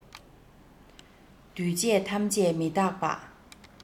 འདུས བྱས ཐམས ཅད མི རྟག པ